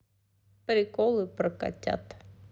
приколы про котят